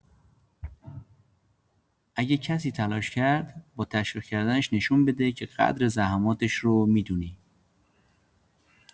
اگه کسی تلاش کرد، با تشویق کردنش نشون بده که قدر زحماتش رو می‌دونی.